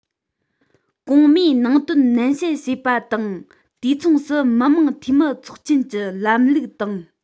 གོང སྨྲས ནང དོན ནན བཤད བྱས པ དང དུས མཚུངས སུ མི དམངས འཐུས མིའི ཚོགས ཆེན གྱི ལམ ལུགས དང